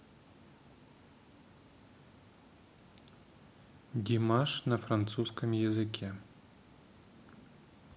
димаш на французском языке